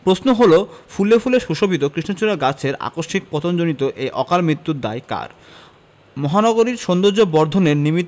প্রশ্ন হলো ফুলে ফুলে সুশোভিত কৃষ্ণচূড়া গাছের আকস্মিক পতনজনিত এই অকালমৃত্যুর দায় কার মহানগরীর সৌন্দর্যবর্ধনের নিমিত্ত